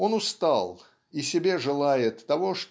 Он устал и себе желает того